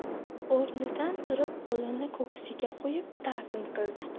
o'rnidan turib qo'lini ko'ksiga qo'yib ta'zim qildi